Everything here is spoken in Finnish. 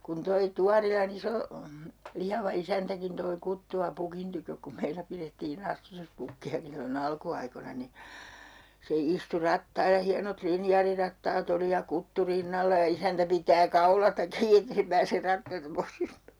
kun toi Tuorilan iso lihava isäntäkin toi kuttua pukin tykö kun meillä pidettiin astutuspukkiakin silloin alkuaikoina niin se istui rattailla hienot linjaarirattaat oli ja kuttu rinnalla ja isäntä pitää kaulasta kiinni että ei se pääse rattailta pois hyppäämään